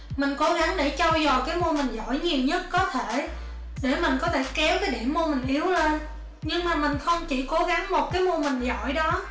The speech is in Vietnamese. mình cố gắng để trau dồi môn hình giỏi nhiều nhất có thể để mình có thể kéo điểm môn mình yếu lên nhưng mà mình không chỉ cố gắng một môn mình giỏi đó